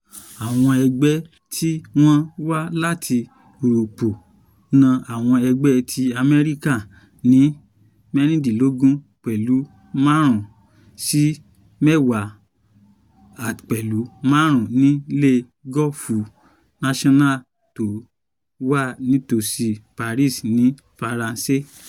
Àwọn ẹgbẹ́ tí wọ́n wá láti Úróópù ná àwọn ẹgbẹ́ tí Amẹ́ríkà ní 16.5 sí 10.5 ní Le Golf National tó wà nítòsí Paris ní Faransé.